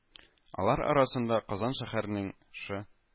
Алар арасында Казан шәһәренең Шэ